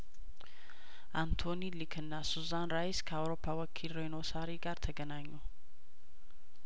አንቶኒ ሊክና ሱዛን ራይስ ከአውሮፓ ወኪል ሬኖ ሳሪ ጋር ተገናኙ